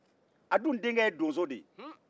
a dun denkɛ ye donso de ye